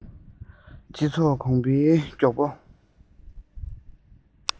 སྤྱི ཚོགས གོང འཕེལ མགྱོགས པོ